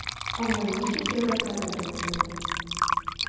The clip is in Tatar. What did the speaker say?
Аңа ничек ярарга да белеп булмый.